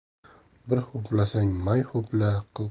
bir ho'plasang may